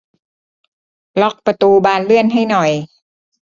ล็อกประตูบานเลื่อนให้หน่อย